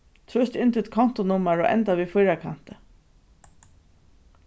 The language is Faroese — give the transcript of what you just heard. trýst inn títt kontunummar og enda við fýrakanti